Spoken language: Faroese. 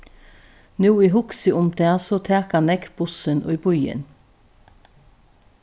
nú eg hugsi um tað so taka nógv bussin í býin